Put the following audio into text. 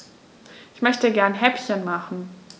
Ich möchte gerne Häppchen machen.